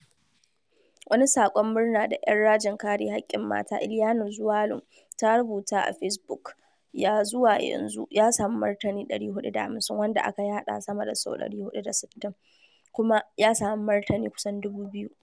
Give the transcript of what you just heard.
Wani saƙon murna da 'yar rajin kare haƙƙin mata Eliana Nzualo ta rubuta a Fesbuk, ya zuwa yanzu ya samu martani 450, wanda aka yaɗa sama da sau 460, kuma ya samu martani kusan 2,000: